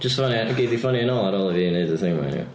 JYst ffonia... gei di ffonio hi'n nôl ar ôl i fi wneud y thing 'ma iawn.